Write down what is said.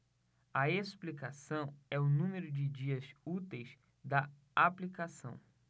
a explicação é o número de dias úteis da aplicação